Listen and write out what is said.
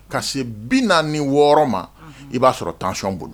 Ka se 46 ma i b'a sɔrɔ tension bolo